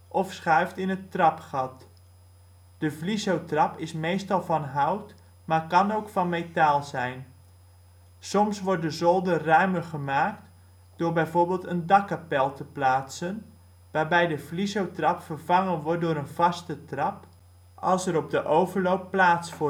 of schuift in het trapgat. De vlizotrap is meestal van hout, maar kan ook van metaal zijn. Soms wordt de zolder ruimer gemaakt door bijvoorbeeld een dakkapel te plaatsen, waarbij de vlizotrap vervangen wordt door een vaste trap, als er op de overloop plaats